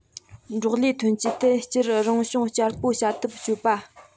འབྲོག ལས ཐོན སྐྱེད ཐད སྤྱིར རང བྱུང སྐྱ སྤོ བྱ ཐབས སྤྱད པ